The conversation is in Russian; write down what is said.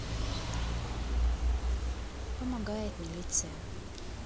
помогает милиция